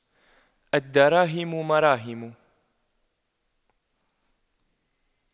الدراهم مراهم